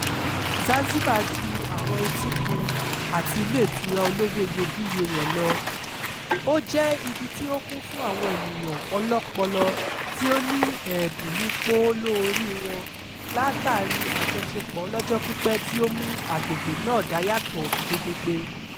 Zanzibar ju àwọn etíkun àti ilé ìtura olówó iyebíye rẹ̀ lọ — ó jẹ́ ibi tí ó kún fún àwọn ènìyàn ọlọ́pọlọ tí ó ní ẹ̀bùn ní poolo orí wọn látàrí àjọṣepọ̀ ọlọ́jọ́ pípẹ́ tí ó mú agbègbè náà dá yàtọ̀ gedegbe.